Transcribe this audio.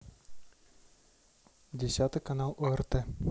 десятый канал орт